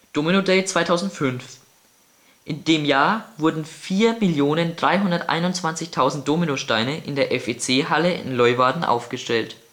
Domino Day 2005 In dem Jahr wurden 4.321.000 Dominosteine in der FEC-Halle in Leeuwarden aufgebaut. Sogar